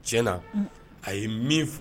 Ti na a ye min fɔ